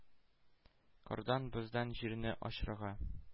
Кардан-боздан җирне арчырга.